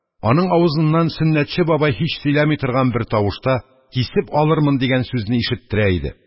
Аның авызыннан сөннәтче бабай һич сөйләми торган бер тавышта: «кисеп алырмын!» – дигән сүзне ишеттерә иде.